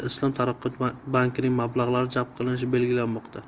islom taraqqiyot bankining mablag'lari jalb qilinishi belgilanmoqda